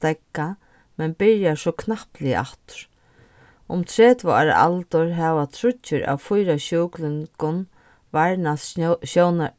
steðga men byrjar so knappliga aftur um tretivu ára aldur hava tríggir av fýra sjúklingum varnast